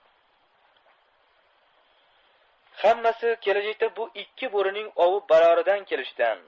hammasi kelajakda bu ikki bo'rining ovi baroridan kelishidan